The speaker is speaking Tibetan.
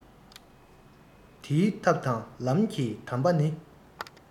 དེའི ཐབས དང ལམ གྱི དམ པ ནི